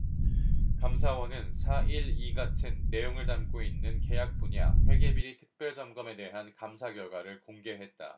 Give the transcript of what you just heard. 감사원은 사 일 이 같은 내용을 담고 있는 계약 분야 회계비리 특별점검에 대한 감사 결과를 공개했다